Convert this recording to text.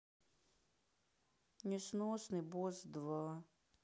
несносный босс два